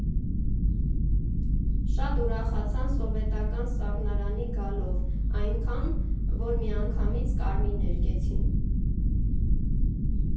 Շատ ուրախացան սովետական սառնարանի գալով, այնքան, որ միանգամից կարմիր ներկեցին։